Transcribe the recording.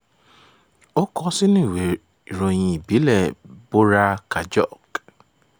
Ó kọ sínú ìwé ìròyìn ìbílẹ̀ẹ Bhorer Kagoj: